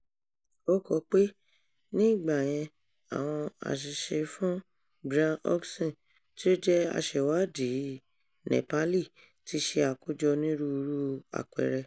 Ó kọ pé, ní ìgbà yẹn àwọn aṣiṣẹ́ fún Brian Hodgson tí ó jẹ́ aṣèwádìí Nepali tí ṣe àkójọ onírúurú àpẹẹrẹ.